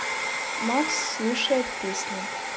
макс слушает песни